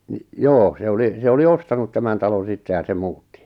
no joo se oli se oli ostanut tämän talon sitten ja se muutti